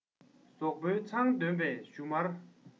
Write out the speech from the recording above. ཟོག པོའི མཚམ འདོན པའི བཞུ མར